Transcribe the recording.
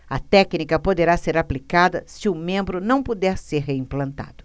a técnica poderá ser aplicada se o membro não puder ser reimplantado